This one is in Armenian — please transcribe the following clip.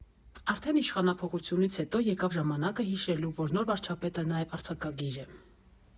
Արդեն իշխանափոխությունից հետո եկավ ժամանակը հիշելու, որ նոր վարչապետը նաև արձակագիր է.